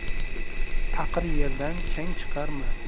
taqir yerdan chang chiqarma